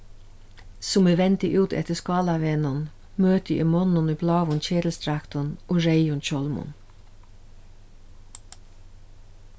sum eg vendi út eftir skálavegnum møti eg monnum í bláum ketilsdraktum og reyðum hjálmum